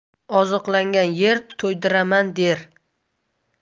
oziqlangan yer to'ydiraman der